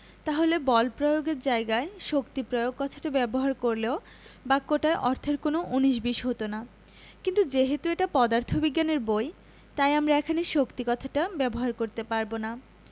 তাহলে বল প্রয়োগ এর জায়গায় শক্তি প্রয়োগ কথাটা ব্যবহার করলেও বাক্যটায় অর্থের কোনো উনিশ বিশ হতো না কিন্তু যেহেতু এটা পদার্থবিজ্ঞানের বই তাই আমরা এখানে শক্তি কথাটা ব্যবহার করতে পারব না